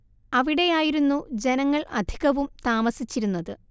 അവിടെയായിരുന്നു ജനങ്ങൾ അധികവും താമസിച്ചിരുന്നത്